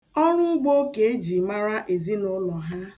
Ọruugbo ka e ji mara ezinụlọ ha.